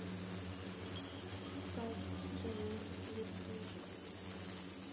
как зовут вертушка